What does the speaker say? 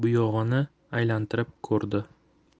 bu yog'ini aylantirib ko'rdi